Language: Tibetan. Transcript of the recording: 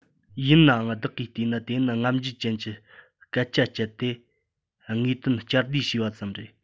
ཡིན ནའང བདག གིས བལྟས ན དེ ནི རྔམ བརྗིད ཅན གྱིས སྐད ཆ སྤྱད དེ དངོས དོན བསྐྱར ཟློས བྱས པ ཙམ རེད